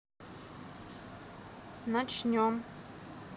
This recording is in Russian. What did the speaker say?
начнем